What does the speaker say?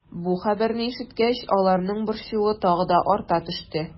Бу хәбәрне ишеткәч, аларның борчуы тагы да арта төште.